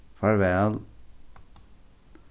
farvæl